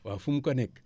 waaw fu mu ko nekk